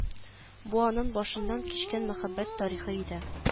Бу аның башыннан кичкән мәхәббәт тарихы иде